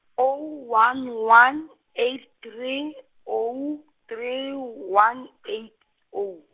oh, one one , eight three, oh, three, one eight oh.